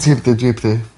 Ti ar dy jib di.